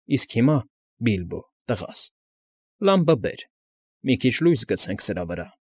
Իսկ հիմա, Բիլբո, տղաս, լամպը բեր, մի քիչ լույս գցենք սրա վրա։